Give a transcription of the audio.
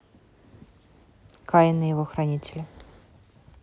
каин и его хранители